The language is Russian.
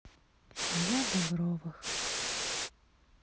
семья бобровых